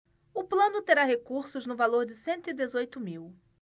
o plano terá recursos no valor de cento e dezoito mil